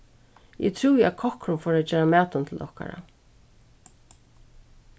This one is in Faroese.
eg trúði at kokkurin fór at gera matin til okkara